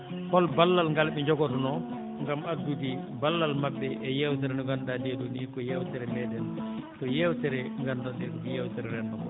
hol ballal ɓe jogotonoo ngam addude ballal maɓɓe e yeewtere nde ngannduɗaa ɗee ɗoo nii ko yeewtere meeɗen ko yeewtere ngannduɗen yeewtere renndo ngoo